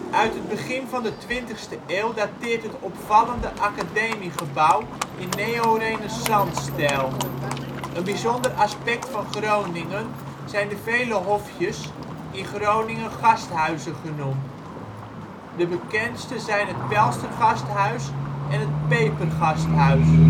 Uit het begin van de twintigste eeuw dateert het opvallende Academiegebouw in neorenaissancestijl. Een bijzonder aspect van Groningen zijn de vele hofjes, in Groningen gasthuizen genoemd. De bekendste zijn het Pelstergasthuis en het Pepergasthuis